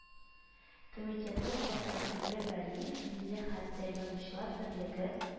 Комитеты сәркатибе вәлиев мине хәтта язучылар берлеге